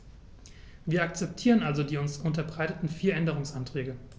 Wir akzeptieren also die uns unterbreiteten vier Änderungsanträge.